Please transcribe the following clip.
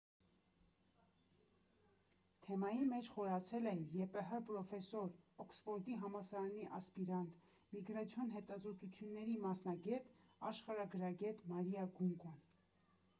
Թեմայի մեջ խորացել է ԵՊՀ պրոֆեսոր, Օքսֆորդի համալսարանի ասպիրանտ, միգրացիոն հետազոտությունների մասնագետ, աշխարհագրագետ Մարիա Գունկոն։